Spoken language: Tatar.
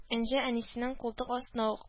Энҗе әнисенен култык астына ук